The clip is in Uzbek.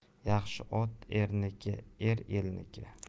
yaxshi ot erniki er elniki